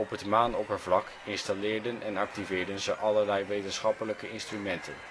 het maanoppervlak installeerden en activeerden ze allerlei wetenschappelijke instrumenten